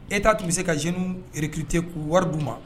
Etat _tun bɛ se ka jeunes recruter a tun bɛ wari d'u ma!